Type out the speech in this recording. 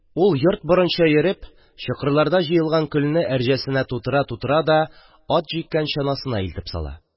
Ул йорт борынча йөреп, чокырларда җыелган көлне әрҗәсенә тутыра-тутыра да, ат җиккән чанасына илтеп сала.